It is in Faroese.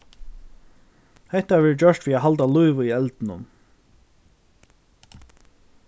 hetta verður gjørt fyri at halda lív í eldinum